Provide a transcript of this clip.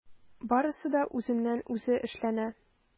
Барысы да үзеннән-үзе эшләнә.